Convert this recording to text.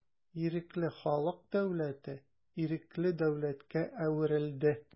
Ирекле халык дәүләте ирекле дәүләткә әверелде.